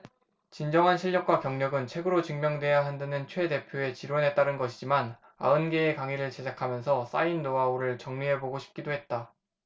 진정한 실력과 경력은 책으로 증명돼야 한다는 최 대표의 지론에 따른 것이지만 아흔 개의 강의를 제작하면서 쌓인 노하우를 정리해보고 싶기도 했다